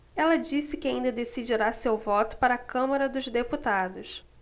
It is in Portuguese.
ela disse que ainda decidirá seu voto para a câmara dos deputados